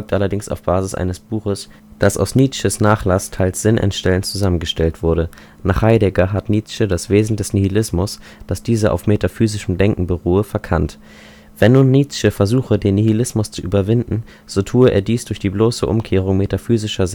allerdings auf Basis eines Buches, das aus Nietzsches Nachlass teils sinnentstellend zusammengestellt wurde.) Nach Heidegger hat Nietzsche das Wesen des Nihilismus, dass dieser auf metaphysischem Denken beruhe, verkannt. Wenn nun Nietzsche versuche, den Nihilismus zu überwinden, so tue er dies durch die bloße Umkehrung metaphysischer